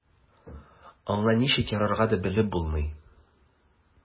Аңа ничек ярарга да белеп булмый.